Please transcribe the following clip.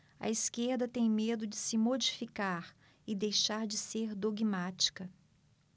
a esquerda tem medo de se modificar e deixar de ser dogmática